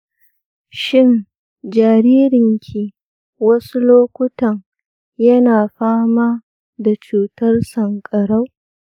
shin jaririnki wasu lokutan yana fama da cutar sankarau?